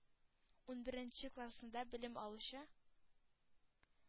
Унберенче классында белем алучы